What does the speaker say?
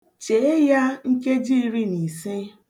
Chee ya nkeji iri na ise.